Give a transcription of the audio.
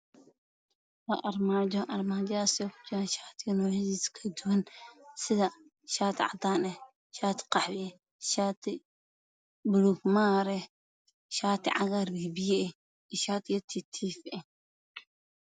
Armaajo armaajadaas waxaa saaran shaati cadaan ah io shaati qaxwy ah shaati baluug maariin ah shaati cagaar io shaati biyo biyo ah